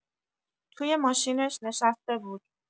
توی ماشینش نشسته بود.